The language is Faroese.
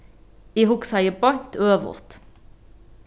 eg hugsaði beint øvugt